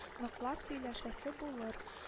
Ныклап сөйләшәсе булыр